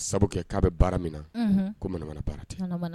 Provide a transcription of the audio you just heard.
Sabu kɛ k'a bɛ baara min na ko manamana baara tɛ